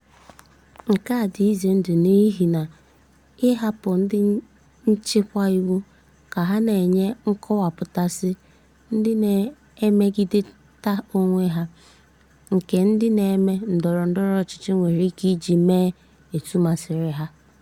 Nke a dị izendụ n'ihi na ọ na-ahapụ ndị nchịkwa iwu ka ha na-enye nkọwapụtasị ndị na-emegiderịta onwe ha nke ndị na-eme ndọrọ ndọrọ ọchịchị nwere ike iji mee etu masịrị ha.